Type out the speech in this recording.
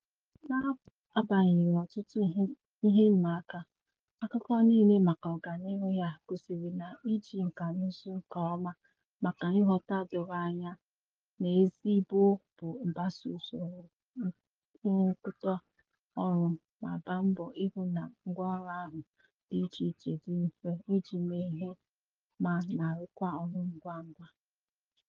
N'agbanyeghi ọtụtụ ihe ịmaaka, akụkọ niile maka ọganihu ya gosiri na iji nkanụzụ nke ọma maka ghọta doro anya na ezi mgbọ bụ ịgbaso usoro nrụkọrịta ọrụ, ma gbaa mbọ hụ na ngwaọrụ ahụ dị icheiche dị mfe iji mee ihe ma na-arụkwa ọrụ ngwa ngwa.